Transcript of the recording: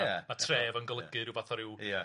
Ma' ma' tref yn golygu rywbath o ryw... Ia.